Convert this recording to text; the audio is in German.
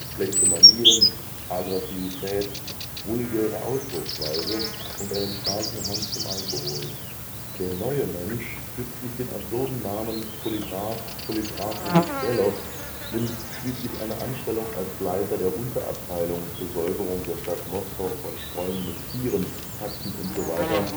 schlechte Manieren, Aggressivität, vulgäre Ausdrucksweise und einen starken Hang zum Alkohol. Der neue Mensch gibt sich den absurden Namen Polygraf Polygrafowitsch Bellow, nimmt schließlich eine Anstellung als Leiter der Unterabteilung zur Säuberung der Stadt Moskau von streunenden Tieren (Katzen usw.